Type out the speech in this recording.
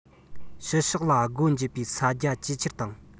ཕྱི ཕྱོགས ལ སྒོ འབྱེད པའི ས རྒྱ ཇེ ཆེར བཏང